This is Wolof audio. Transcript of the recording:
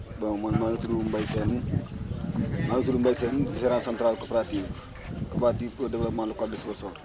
bon man maa ngi tudd Mbaye Sène maa ngi tudd Mbaye Sène gérant central coopérative coopérative pour le développement local :fre de Sibassor